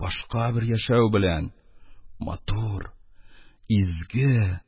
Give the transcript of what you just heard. Башка бер яшәү белән, матур, изге,